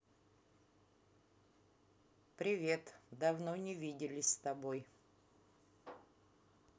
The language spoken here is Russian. привет давно не виделись с тобой